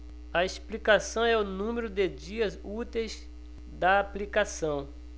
a explicação é o número de dias úteis da aplicação